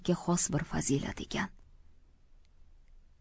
xos bir fazilat ekan